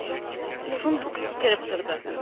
Шундук сикереп торды.